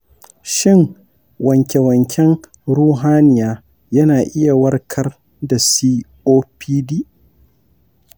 shin wanke-wanken ruhaniya yana iya warkar da copd?